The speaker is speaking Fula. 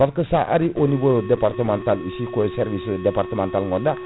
par ce que sa ari au niveau départemental ici koye service départemental gonɗa